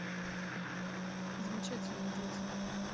замечательные дети